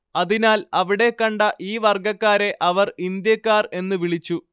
അതിനാൽ അവിടെ കണ്ട ഈ വർഗ്ഗക്കാരെ അവർ ഇന്ത്യക്കാർ എന്ന് വിളിച്ചു